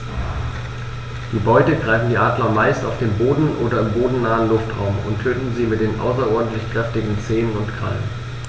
Die Beute greifen die Adler meist auf dem Boden oder im bodennahen Luftraum und töten sie mit den außerordentlich kräftigen Zehen und Krallen.